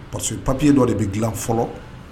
Paseke papiye dɔ de bɛ dilan fɔlɔ